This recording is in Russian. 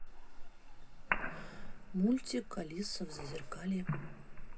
мультик алиса в зазеркалье